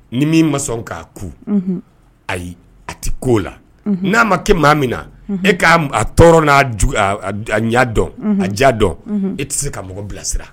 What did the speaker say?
Ni min ma sɔn k'a kun ayi a tɛ koo la n'a ma kɛ maa min na e k'a a tɔɔrɔ n'a ɲɛ dɔn a ja dɔn e tɛ se ka mɔgɔ bilasira